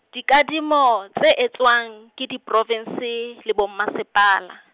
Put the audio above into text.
dikadimo tse etswang ke diprovinse le bo Mmasepala.